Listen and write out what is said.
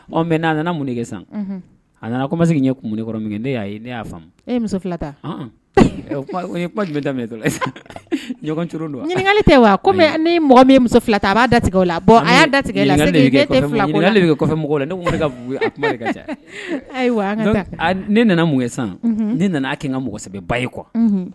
Mɛ n'a nana mun kɛ san a nana se mina muso fila ɲɔgɔn dɔnkali tɛ wa ne mɔgɔ min muso fila ta a b'a da tigɛ la a' tigɛ la ne de kɔfɛ mɔgɔ la ne ayiwa ne nana mun san ne nana a kin ka mɔgɔsɛbɛbɛ ba ye kuwa